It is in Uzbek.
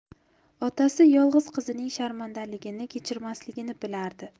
otasi yolg'iz qizining sharmandaligini kechirmasligini bilardi